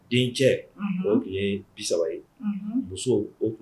Dencɛ o tun ye 30 ye, unhun, musow o tun